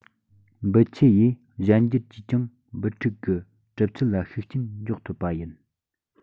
འབུ ཆེ ཡི གཞན འགྱུར གྱིས ཀྱང འབུ ཕྲུག གི གྲུབ ཚུལ ལ ཤུགས རྐྱེན འཇོག ཐུབ པ ཡིན